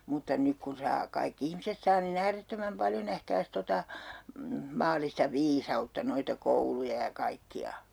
mutta nyt kun saa kaikki ihmiset saa niin äärettömän paljon nähkääs tuota maallista viisautta noita kouluja ja kaikkia